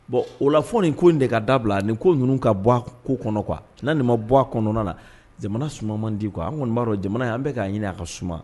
Bon o la fɔ nin ko in de ka dabila nin ko ninnu ka bɔ ko kɔnɔ qu n'a nin ma bɔ kɔnɔna na jamana suman man di kuwa an kɔni b'a dɔn jamana an bɛ k'a ɲini a ka suma